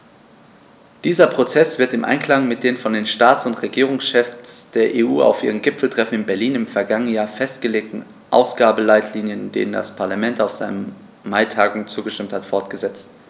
Dieser Prozess wird im Einklang mit den von den Staats- und Regierungschefs der EU auf ihrem Gipfeltreffen in Berlin im vergangenen Jahr festgelegten Ausgabenleitlinien, denen das Parlament auf seiner Maitagung zugestimmt hat, fortgesetzt.